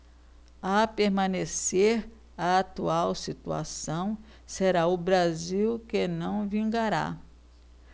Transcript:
a permanecer a atual situação será o brasil que não vingará